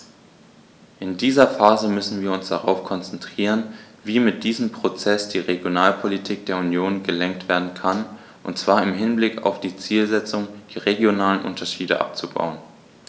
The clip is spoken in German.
In dieser Phase müssen wir uns darauf konzentrieren, wie mit diesem Prozess die Regionalpolitik der Union gelenkt werden kann, und zwar im Hinblick auf die Zielsetzung, die regionalen Unterschiede abzubauen.